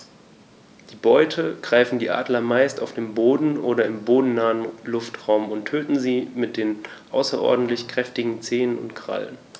Die Beute greifen die Adler meist auf dem Boden oder im bodennahen Luftraum und töten sie mit den außerordentlich kräftigen Zehen und Krallen.